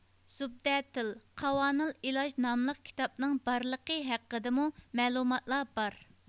زۇبدەتىل قاۋانىل ئىلاج ناملىق كىتابىنىڭ بارلىقى ھەققىدىمۇ مەلۇماتلار بار